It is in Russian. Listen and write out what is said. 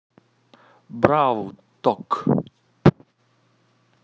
brawl tok